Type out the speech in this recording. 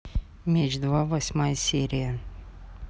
меч два восьмая серия